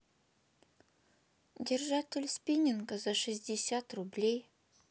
держатель спиннинга за шестьдесят рублей